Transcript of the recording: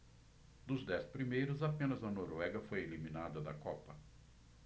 dos dez primeiros apenas a noruega foi eliminada da copa